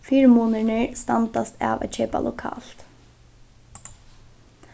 fyrimunirnir standast av at keypa lokalt